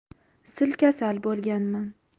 sil kasal bo'lganman